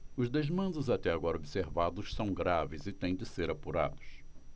os desmandos até agora observados são graves e têm de ser apurados